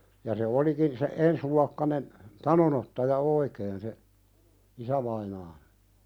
ja se olikin se ensiluokkainen tanonottaja oikein se isävainaani